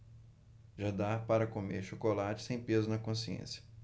já dá para comer chocolate sem peso na consciência